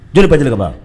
Dɔnni pa deli kaban